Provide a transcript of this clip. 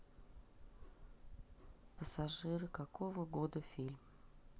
пассажиры какого года фильм